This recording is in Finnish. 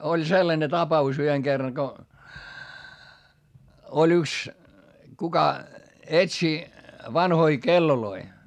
oli sellainen tapaus yhden kerran kun oli yksi kuka etsi vanhoja kelloja